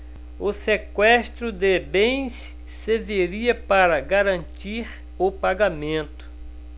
o sequestro de bens serviria para garantir o pagamento